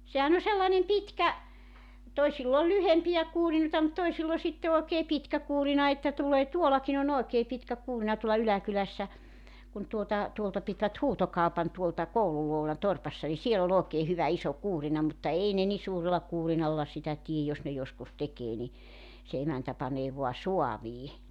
sehän on sellainen pitkä toisilla on lyhyempiä kuurinoita mutta toisilla on sitten oikein pitkä kuurina että tulee tuollakin on oikein pitkä kuurina tuolla yläkylässä kun tuota tuolta pitivät huutokaupan tuolta koulun luona olevassa torpassa niin siellä oli oikein hyvä iso kuurina mutta ei ne niin suurella kuurinalla sitä tee jos ne joskus tekee niin se emäntä panee vain saaviin